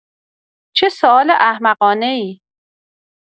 چه سوال احمقانه‌ای!